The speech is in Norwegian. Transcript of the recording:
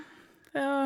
Og...